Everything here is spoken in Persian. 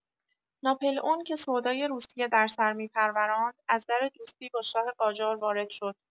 ناپلئون که سودای روسیه در سر می‌پروراند، از در دوستی با شاه قاجار وارد شد.